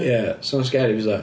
Ia 'sa hwnna'n scary fysa.